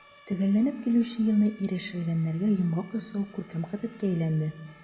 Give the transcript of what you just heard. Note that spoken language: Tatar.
Төгәлләнеп килүче елны ирешелгәннәргә йомгак ясау күркәм гадәткә әйләнде.